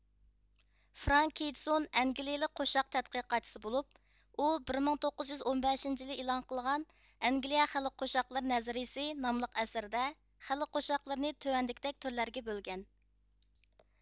فرانك كىدسون ئەنگىلىيىلىك قوشاق تەتقىقاتچىسى بولۇپ ئۇ بىر مىڭ توققۇز يۈز ئون بەشنچى يىلى ئېلان قىلغان ئەنگىلىيە خەلق قوشاقلىرى نەزەرىيىسى ناملىق ئەسىرىدە خەلق قوشاقلىرىنى تۆۋەندىكىدەك تۈرلەرگە بۆلگەن